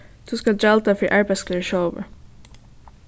tú skalt gjalda fyri arbeiðsklæðir sjálvur